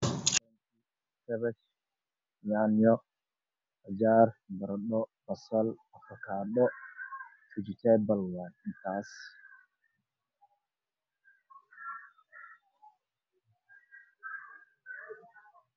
Meeshaan waxaa ka muuqdo qudaar kala duwan